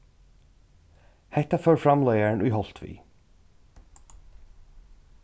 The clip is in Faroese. hetta fór framleiðarin í holt við